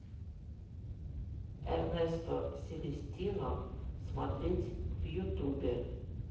эрнесто селестино смотреть в ютубе